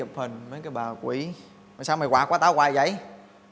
chụp hình mấy cái bà quỷ mà sao mày quạt qua tao quài vậy